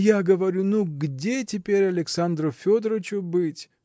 – Я говорю: Ну где теперь Александру Федорычу быть?